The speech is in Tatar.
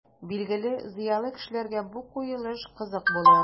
Билгеле, зыялы кешеләргә бу куелыш кызык булыр.